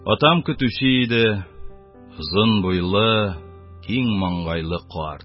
Атам көтүче иде: озын буйлы, киң маңгайлы карт.